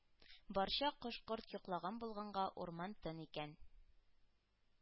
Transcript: Барча кош-корт йоклаган булганга, урман тын икән.